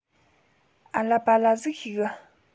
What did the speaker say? ཨ ལ པ ལ ཟིག ཤེས གི